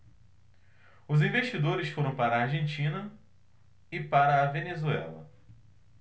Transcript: os investidores foram para a argentina e para a venezuela